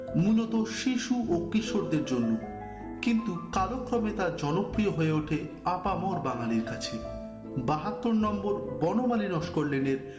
মূলত শিশু ও কিশোরদের জন্য কিন্তু কালক্রমে তা জনপ্রিয় হয়ে ওঠে আপামর বাঙালির কাছে তোর নম্বর বনমালী লস্কর লেনের